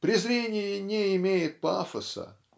Презрение не имеет пафоса.